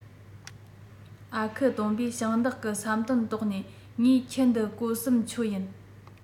ཨ ཁུ སྟོན པས ཞིང བདག གི བསམ དོན རྟོགས ནས ངའི ཁྱི འདི གོ གསུམ ཆོད ཡིན